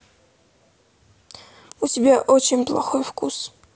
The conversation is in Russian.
у тебя очень плохой вкус